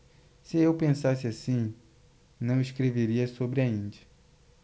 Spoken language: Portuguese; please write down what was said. se eu pensasse assim não escreveria sobre a índia